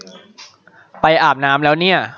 ไปอาบน้ำแล้วเนี่ย